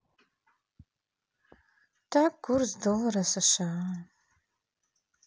так курс доллара сша